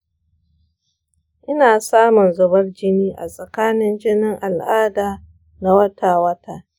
ina samun zubar jini a tsakankanin jinin al’adata na wata-wata.